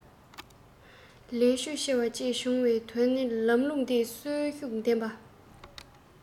ལས ཕྱོད ཆེ བ བཅས བྱུང དོན ནི ལམ ལུགས དེ གསོན ཤུགས ལྡན པ